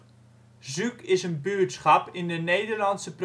Zuuk is een buurtschap in de Nederlandse